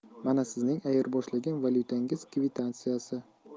mana sizning ayirboshlagan valyutangiz kvitantsiyasi